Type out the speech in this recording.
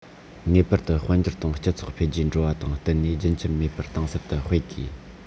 ངེས པར དུ དཔལ འབྱོར དང སྤྱི ཚོགས འཕེལ རྒྱས འགྲོ བ དང བསྟུན ནས རྒྱུན ཆད མེད པར གཏིང ཟབ ཏུ སྤེལ དགོས